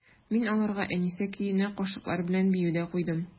Мин аларга «Әнисә» көенә кашыклар белән бию дә куйдым.